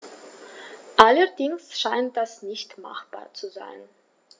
Allerdings scheint das nicht machbar zu sein.